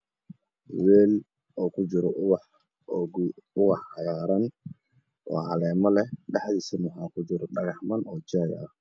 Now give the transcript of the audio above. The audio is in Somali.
Weel oo ku jira ubax cagaarn oo caleemo ah dhexdiisana waxaa ku jira dhagax man oo Jay ah